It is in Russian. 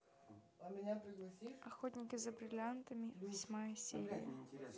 охотники за бриллиантами восьмая серия